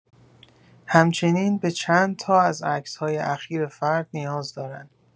همچنین، به چند تا از عکس‌های اخیر فرد نیاز دارن.